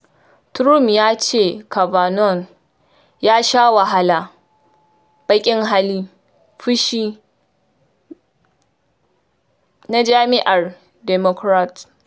Trump ya ce Kavanaugh ‘ya sha wahala, baƙin hali, fushi’ na Jam’iyyar Democrat